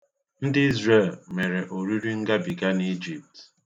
Ndị Izrel mere oriri ngabiga n'Ijipt.